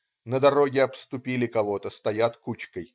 На дороге обступили кого-то, стоят кучкой.